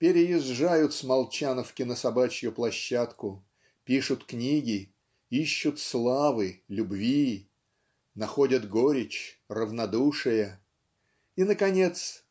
переезжают с Молчановки на Собачью площадку пишут книги ищут славы любви находят горечь равнодушие и наконец